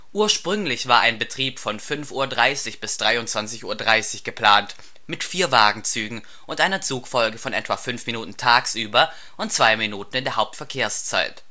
Ursprünglich war ein Betrieb von 5:30 bis 23:30 Uhr geplant, mit 4-Wagen-Zügen und einer Zugfolge von etwa fünf Minuten tagsüber und zwei Minuten in der Hauptverkehrszeit